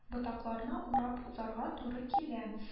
Ботакларны урап узарга туры килә